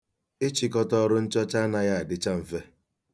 Ịchịkọta ọrụ nchọcha anaghị adịcha mfe.